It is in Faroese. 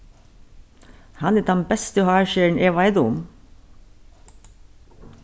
hann er tann besti hárskerin eg veit um